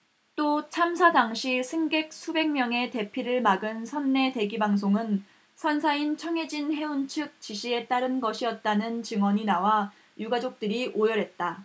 또 참사 당시 승객 수백 명의 대피를 막은 선내 대기방송은 선사인 청해진 해운 측 지시에 따른 것이었다는 증언이 나와 유가족들이 오열했다